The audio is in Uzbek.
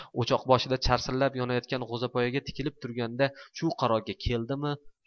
o'choqboshida charsillab yonayotgan g'o'zapoyaga tikilib turganida shu qarorga keldimi